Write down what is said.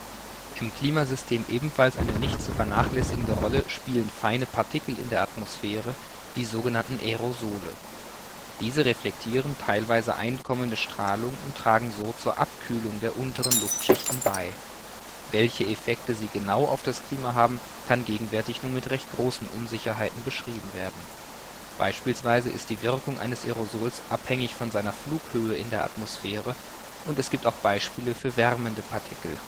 Klimasystem ebenfalls eine nicht zu vernachlässigende Rolle spielen feine Partikel in der Atmosphäre, die so genannten Aerosole. Diese reflektieren teilweise einkommende Strahlung und tragen so zur Abkühlung der unteren Luftschichten bei. Welche Effekte sie genau auf das Klima haben, kann gegenwärtig nur mit recht großen Unsicherheiten beschrieben werden. Beispielsweise ist die Wirkung eines Aerosols abhängig von seiner Flughöhe in der Atmosphäre, und es gibt auch Beispiele für wärmende Partikel